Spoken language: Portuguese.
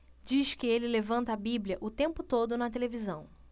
diz que ele levanta a bíblia o tempo todo na televisão